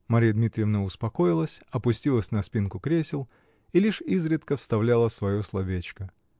Марья Дмитриевна успокоилась, опустилась на спинку кресел и лишь изредка вставляла свое словечко